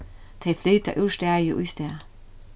tey flyta úr staði í stað